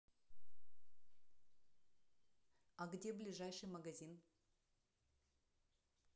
а где ближайший магазин